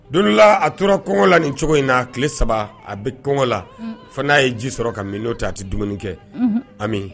Dondolaa a tora kɔngɔ la ni cogo in na tile 3 a bɛ kɔngɔ la hunn fo n'a ye ji sɔrɔ ka min nɔntɛ a tɛ dumuni kɛ unhun Ami